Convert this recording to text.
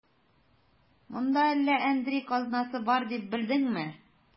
Монда әллә әндри казнасы бар дип белдеңме?